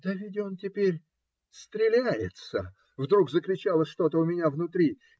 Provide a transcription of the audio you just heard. "Да ведь он теперь стреляется!" - вдруг закричало что-то у меня внутри.